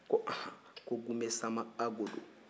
ko haa ko gunbeli sanba hako don